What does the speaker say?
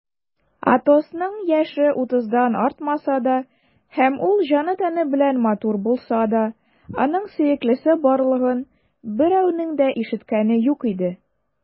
Атосның яше утыздан артмаса да һәм ул җаны-тәне белән матур булса да, аның сөеклесе барлыгын берәүнең дә ишеткәне юк иде.